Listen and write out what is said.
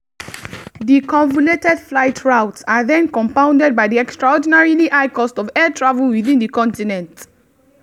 The convoluted flight routes are then compounded by the extraordinarily high cost of air travel within the continent.